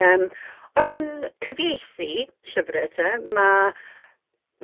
Yym o ran cyfieithu llyfre te ma'